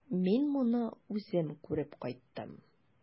Мин моны үзем күреп кайттым.